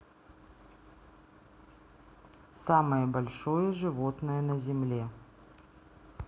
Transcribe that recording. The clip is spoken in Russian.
самое большое животное на земле